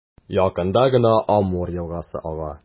Якында гына Амур елгасы ага.